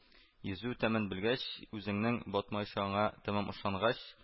Йөзү тәмен белгәч, үзеңнең батмаячагыңа тәмам ышангач